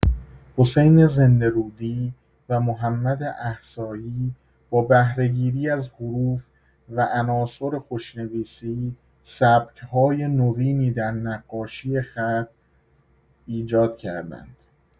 حسین زنده‌رودی و محمد احصایی با بهره‌گیری از حروف و عناصر خوشنویسی، سبک‌های نوینی در نقاشی‌خط ایجاد کردند.